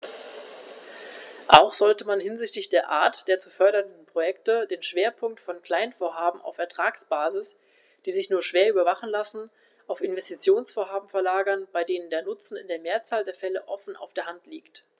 Auch sollte man hinsichtlich der Art der zu fördernden Projekte den Schwerpunkt von Kleinvorhaben auf Ertragsbasis, die sich nur schwer überwachen lassen, auf Investitionsvorhaben verlagern, bei denen der Nutzen in der Mehrzahl der Fälle offen auf der Hand liegt.